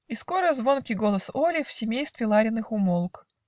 И скоро звонкий голос Оли В семействе Лариных умолк.